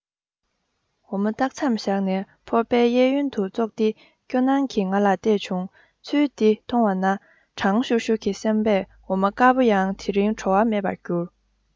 འོ མ ལྡག མཚམས བཞག ནས ཕོར པའི གཡས གཡོན དུ ཙོག སྟེ སྐྱོ སྣང གིས ང ལ བལྟས བྱུང ཚུལ འདི མཐོང བ ན གྲང ཤུར ཤུར གྱི སེམས པས འོ མ དཀར པོ ཡང དེ རིང བྲོ བ མེད པར འགྱུར